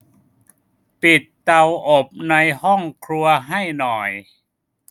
ปิดเตาอบในห้องครัวให้หน่อย